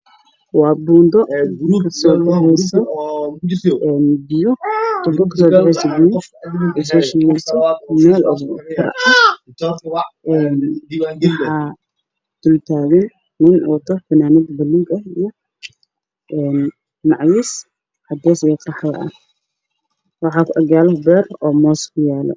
Waa Ceel biyo laga shubayaa nin ayaa jooga oo shubaayo biyaha